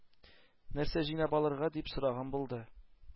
-нәрсә җыйнап алырга? - дип сораган булды.